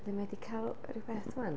Wedyn mae hi 'di cael ryw beth 'wan.